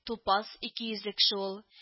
Тупас, икейөзле кеше ул